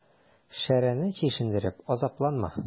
Шәрәне чишендереп азапланма.